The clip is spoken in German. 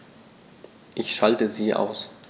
Ich schalte sie aus.